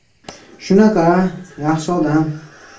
shunaqa yaxshi odam